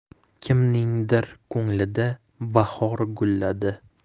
kimningdir ko'nglida bahor gulladi